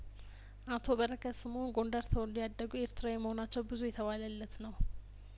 አቶ በረከት ስምኦን ጐንደር ተወልደው ያደጉ ኤርትራዊ መሆናቸው ብዙ የተባለለት ነው